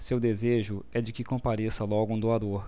seu desejo é de que apareça logo um doador